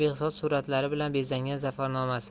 behzod suratlari bilan bezangan zafarnomasi